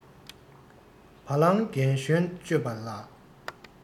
བ ལང རྒན གཞོན དཔྱོད པ ལ